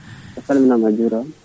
a salminama a juurama